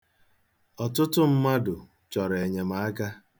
Ọtụtụ mmadụ chọrọ enyemaka.